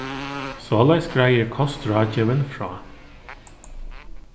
soleiðis greiðir kostráðgevin frá